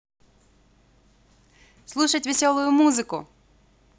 слушать веселую музыку